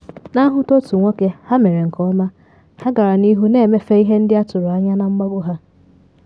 Na nhụta otu nwoke, ha mere nke ọma, ha gara n’ihu na emefe ihe ndị atụrụ anya na mgbago ha.